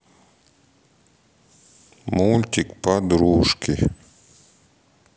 мультик подружки